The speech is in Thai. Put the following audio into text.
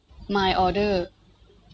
มายออเดอร์